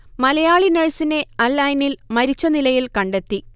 മലയാളി നഴ്സിനെ അൽഐനിൽ മരിച്ച നിലയിൽ കണ്ടെത്തി